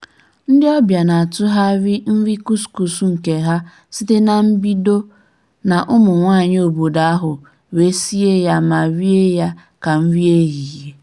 Ndị ọbịa na-atụgharị nrị kuskus nke ha site na mbido, na ụmụnwaanyị obodo ahụ, wee sie ya ma rie ya ka nri ehihie.